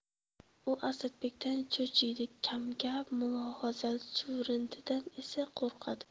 u asadbekdan cho'chiydi kamgap mulohazali chuvrindidan esa qo'rqadi